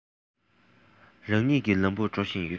རང ཉིད ཀྱི ལམ དུ འགྲོ བཞིན ཡོད